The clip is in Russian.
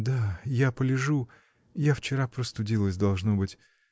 — Да, я полежу, я вчера простудилась, должно быть.